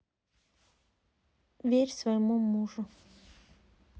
верь своему мужу